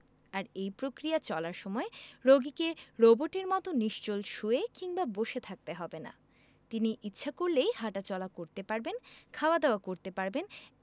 আর এই প্রক্রিয়া চলার সময় রোগীকে রোবটের মতো নিশ্চল শুয়ে কিংবা বসে থাকতে হবে না তিনি ইচ্ছা করলেই হাটাচলা করতে পারবেন খাওয়া দাওয়া করতে পারবেন